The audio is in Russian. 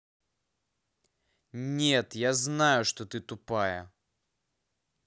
нет я знаю что ты тупая